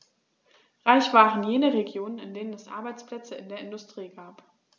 Reich waren jene Regionen, in denen es Arbeitsplätze in der Industrie gab.